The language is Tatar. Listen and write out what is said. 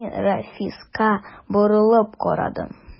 Мин Рафиска борылып карадым.